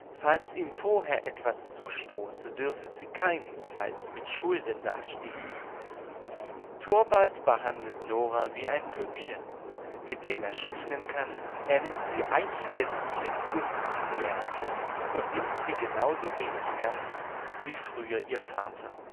Falls ihm vorher etwas zustoße, dürfe sie keinesfalls mit Schulden dastehen. Torvald behandelt Nora wie ein Püppchen, mit dem er spielen kann, er nennt sie „ Eichkätzchen “und „ Singlerche “und nimmt sie genauso wenig ernst wie früher ihr Vater